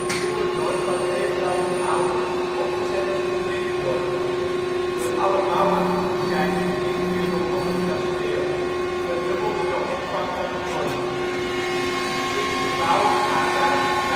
nieuwe dorp was evenals het oude opgezet als een brinkdorp. Door alle bouwactiviteiten in en rondom het kasteel verdubbelde de omvang van het dorp. Sinds de bouw is Haarzuilens